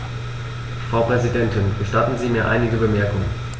Frau Präsidentin, gestatten Sie mir einige Bemerkungen.